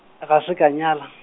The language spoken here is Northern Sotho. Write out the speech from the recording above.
a ga se ka nyala.